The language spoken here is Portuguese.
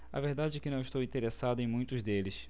a verdade é que não estou interessado em muitos deles